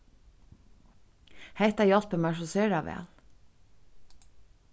hetta hjálpir mær so sera væl